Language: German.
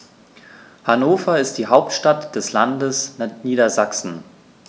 Hannover ist die Hauptstadt des Landes Niedersachsen.